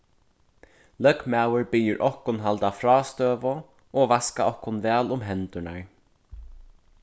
løgmaður biður okkum halda frástøðu og vaska okkum væl um hendurnar